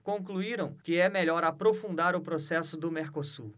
concluíram que é melhor aprofundar o processo do mercosul